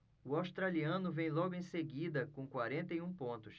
o australiano vem logo em seguida com quarenta e um pontos